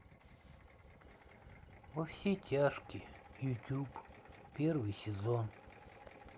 во все тяжкие ютуб первый сезон